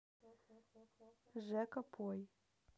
жека пой